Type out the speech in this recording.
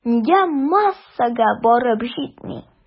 Нигә массага барып җитми?